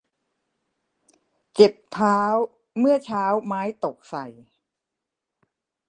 เจ็บเท้าเมื่อเช้าไม้ตกใส่